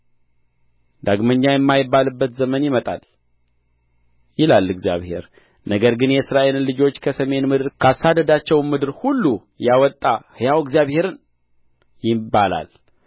ዳግመኛ የማይባልበት ዘመን ይመጣል ይላል እግዚአብሔር ነገር ግን የእስራኤልን ልጆች ከሰሜን ምድር ካሳደዳቸውም ምድር ሁሉ ያወጣ ሕያው እግዚአብሔርን ይባላል